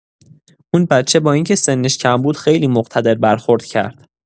اون بچه با اینکه سنش کم بود، خیلی مقتدر برخورد کرد.